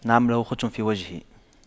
نعم له خدش في وجهه